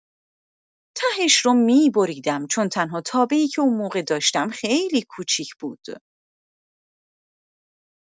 تهش رو می‌بریدم، چون تنها تابه‌ای که اون موقع داشتم خیلی کوچک بود.